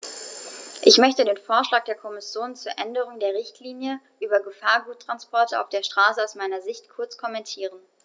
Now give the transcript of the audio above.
Ich möchte den Vorschlag der Kommission zur Änderung der Richtlinie über Gefahrguttransporte auf der Straße aus meiner Sicht kurz kommentieren.